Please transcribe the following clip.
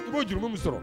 U b'o jurumu min sɔrɔ.